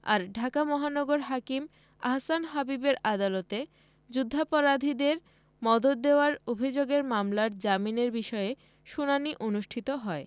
আর ঢাকা মহানগর হাকিম আহসান হাবীবের আদালতে যুদ্ধাপরাধীদের মদদ দেওয়ার অভিযোগের মামলার জামিনের বিষয়ে শুনানি অনুষ্ঠিত হয়